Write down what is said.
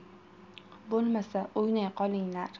bo'lmasa o'ynay qolinglar